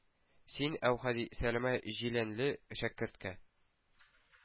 Син, Әүхәди,- сәләмә җиләнле шәкерткә